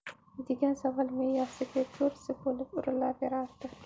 degan savol miyasiga gurzi bo'lib urilaverdi